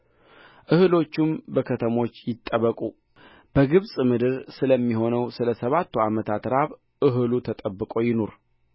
እህሎችም በከተሞች ይጠበቁ በግብፅ ምድር ስለሚሆነው ስለ ሰባቱ ዓመታት ራብ እህሉ ተጠብቆ ይኑር